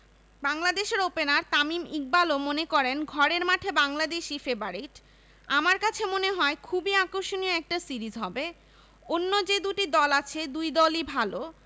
বাংলাদেশের ওপেনার তামিম ইকবালও মনে করেন ঘরের মাঠে বাংলাদেশই ফেবারিট আমার কাছে মনে হয় খুবই আকর্ষণীয় একটা সিরিজ হবে অন্য যে দুটি দল আছে দুই দলই ভালো